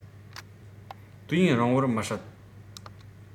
དུས ཡུན རིང བོར མི སྲིད